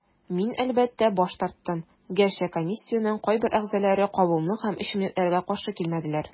Мин, әлбәттә, баш тарттым, гәрчә комиссиянең кайбер әгъзаләре кабымлык һәм эчемлекләргә каршы килмәделәр.